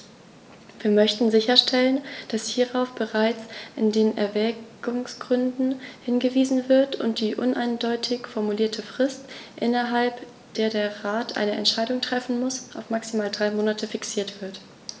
Wir möchten sicherstellen, dass hierauf bereits in den Erwägungsgründen hingewiesen wird und die uneindeutig formulierte Frist, innerhalb der der Rat eine Entscheidung treffen muss, auf maximal drei Monate fixiert wird.